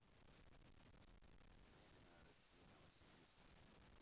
временная россия новосибирск